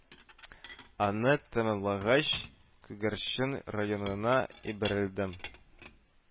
Аны тәмамлагач, Күгәрчен районына ибәрелдем